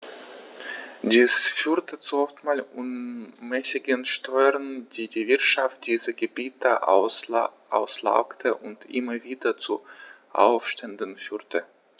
Dies führte zu oftmals unmäßigen Steuern, die die Wirtschaft dieser Gebiete auslaugte und immer wieder zu Aufständen führte.